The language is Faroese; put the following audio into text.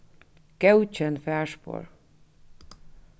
góðkenn farspor